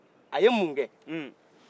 a ye mun kɛ